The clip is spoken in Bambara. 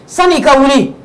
Sani i ka wili